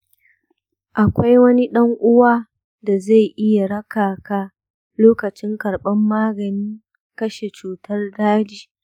akwai wani ɗan uwa da zai iya raka ka lokacin karban maganin kashe cutar daji?